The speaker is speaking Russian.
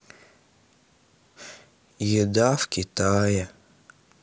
еда в китае